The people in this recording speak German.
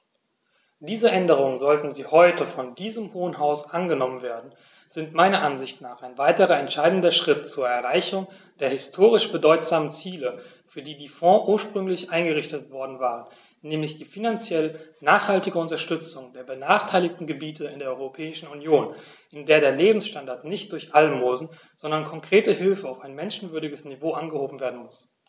Diese Änderungen, sollten sie heute von diesem Hohen Haus angenommen werden, sind meiner Ansicht nach ein weiterer entscheidender Schritt zur Erreichung der historisch bedeutsamen Ziele, für die die Fonds ursprünglich eingerichtet worden waren, nämlich die finanziell nachhaltige Unterstützung der benachteiligten Gebiete in der Europäischen Union, in der der Lebensstandard nicht durch Almosen, sondern konkrete Hilfe auf ein menschenwürdiges Niveau angehoben werden muss.